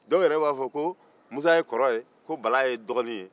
dɔw yɛrɛ b'a fɔ ko musa ye kɔrɔ ye ko bala ye dɔgɔnin ye